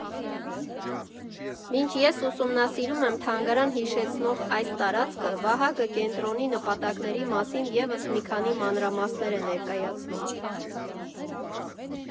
Մինչ ես ուսումնասիրում եմ թանգարան հիշեցնող այս տարածքը, Վահագնը կենտրոնի նպատակների մասին ևս մի քանի մանրամասներ է ներկայացնում.